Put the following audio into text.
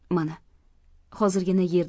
mana hozirgina